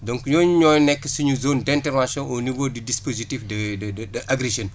donc ñooñu ñoo nekk suñu zone d' intervention au niveau du dispositif de de de Agri Jeunes